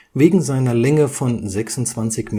Wegen seiner Länge von 26,35